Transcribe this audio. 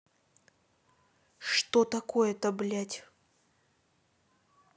что такое то блядь